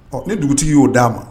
Ɔ ni dugutigi y'o d'a ma